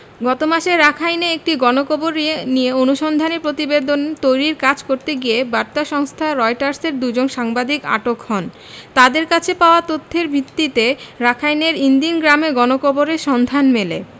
গত মাসে রাখাইনে একটি গণকবর নিয়ে অনুসন্ধানী প্রতিবেদন তৈরির কাজ করতে গিয়ে বার্তা সংস্থা রয়টার্সের দুজন সাংবাদিক আটক হন তাঁদের কাছে পাওয়া তথ্যের ভিত্তিতে রাখাইনের ইন দিন গ্রামে গণকবরের সন্ধান মেলে